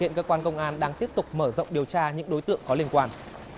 hiện cơ quan công an đang tiếp tục mở rộng điều tra những đối tượng có liên quan